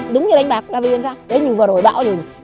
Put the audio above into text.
đúng như đánh bạc là vì làm sao đấy như vừa rồi bão